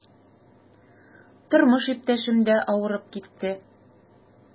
Тормыш иптәшем дә авырып китте.